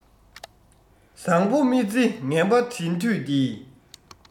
བཟང བོ མི བརྩི ངན པ བྲིན དུས འདི